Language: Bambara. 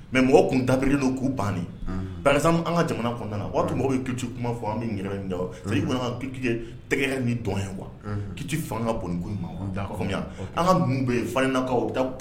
Mɛ mɔgɔ tun ta kelen'u bannen ka jamana kɔnɔna o ki kuma fɔ an tɛgɛ ni dɔn ye wa ki fan ka bon ma an ka bɛ fakaw da